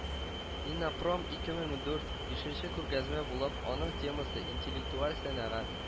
“иннопром- ике мең ундурт” – бишенче күргәзмә булып, аның темасы - “интеллектуаль сәнәгать”